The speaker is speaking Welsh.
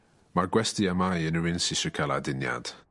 Mae'r gwesty yma i unryw un sy isie ca'l aduniad.